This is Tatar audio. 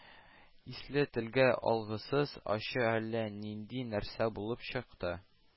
Исле, телгә алгысыз ачы әллә нинди нәрсә булып чыкты